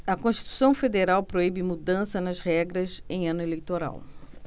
a constituição federal proíbe mudanças nas regras em ano eleitoral